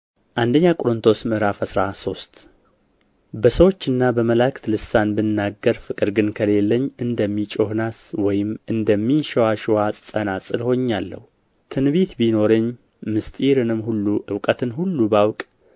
አንደኛ ቆሮንጦስ ምዕራፍ አስራ ሶስት በሰዎችና በመላእክት ልሳን ብናገር ፍቅር ግን ከሌለኝ እንደሚጮኽ ናስ ወይም እንደሚንሽዋሽዋ ጸናጽል ሆኜአለሁ ትንቢትም ቢኖረኝ ምሥጢርንም ሁሉና እውቀትን ሁሉ ባውቅ